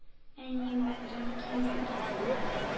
Әнием, бәгърем, килми үләсем!..